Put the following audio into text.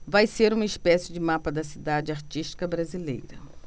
vai ser uma espécie de mapa da cidade artística brasileira